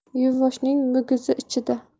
yuvvoshning muguzi ichida